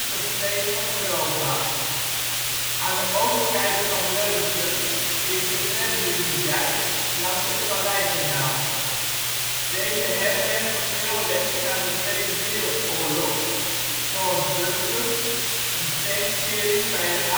als tweede van Europa. Aan de oostzijde van Leusden ligt de Grebbeliniedijk langs het Valleikanaal. Deze herbergt nog veel resten uit de Tweede Wereldoorlog, zoals bunkers, een tankkering bij de Asschatterkeerkade